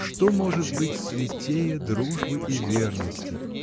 что может быть святее дружбы и верности?.